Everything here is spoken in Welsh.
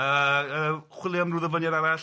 Yy yy chwilio am ryw ddyfyniad arall.